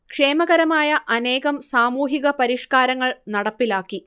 ക്ഷേമകരമായ അനേകം സാമൂഹിക പരിഷ്കാരങ്ങൾ നടപ്പിലാക്കി